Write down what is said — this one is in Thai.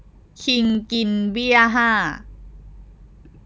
คิงกินเบี้ยห้า